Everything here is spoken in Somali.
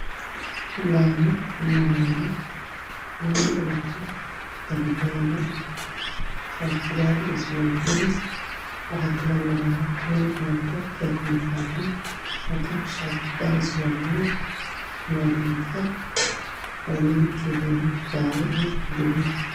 Laami maraayo wiil wata dhar jaale ah